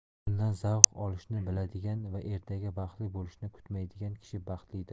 bugundan zavq olishni biladigan va ertaga baxtli bo'lishini kutmaydigan kishi baxtlidir